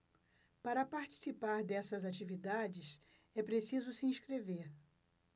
para participar dessas atividades é preciso se inscrever